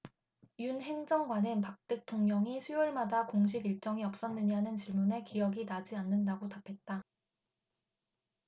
윤 행정관은 박 대통령이 수요일마다 공식일정이 없었느냐는 질문에 기억이 나지 않는다고 답했다